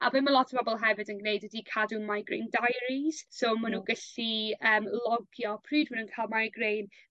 a be' ma' lot o bobol hefyd yn gneud ydi cadw migraine diaries so ma' n'w gyllu yym logio pryd mw' na'n ca'l migraine